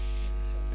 am na solo